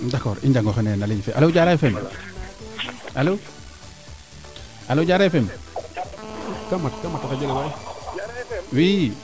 d' accord :i njango xene no ;ligne fee alo Dairekh Fm alo alo Diarekh Fm oui